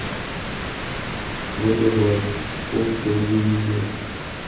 вдв псковская дивизия